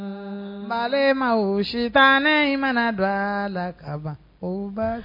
Saba fa ma sita ne in mana dɔ la kaban oba